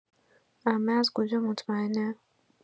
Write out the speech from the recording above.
عمه از کجا مطمئنه؟